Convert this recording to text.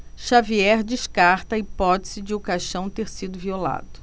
xavier descarta a hipótese de o caixão ter sido violado